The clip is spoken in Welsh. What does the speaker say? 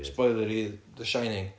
Spoiler i The Shining